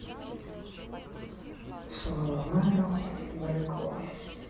слава мэрил далеко